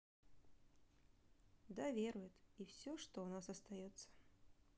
да верует и все что у нас остается